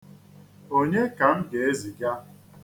Onye ka m ga-eziga?